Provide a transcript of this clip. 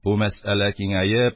Бу мәсьәлә киңәеп,